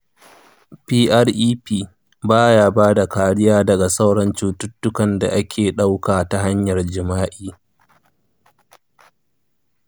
prep baya bada kariya daga sauran cututtukan da ake ɗauka ta hanyar jima'i.